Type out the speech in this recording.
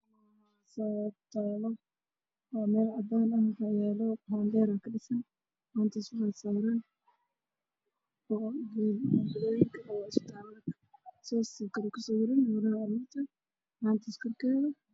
Meeshaan waxaa ku taalo haanta biyaha la saaro oo saaran meel dheer oo dhisan